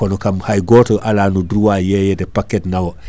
kono kam hay goto alano droit yeyede paquet nawa